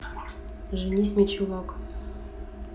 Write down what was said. женись мне чувак